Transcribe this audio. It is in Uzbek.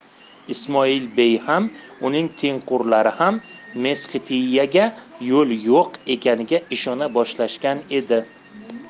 ismoilbey ham uning tengqurlari ham mesxetiyaga yo'l yo'q ekaniga ishona boshlashgan edi